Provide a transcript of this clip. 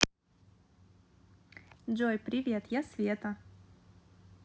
джой привет я света